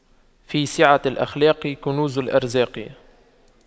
في سعة الأخلاق كنوز الأرزاق